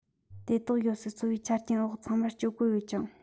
དེ དག ཡོད སའི འཚོ བའི ཆ རྐྱེན འོག ཚང མར སྤྱོད སྒོ ཡོད ཅིང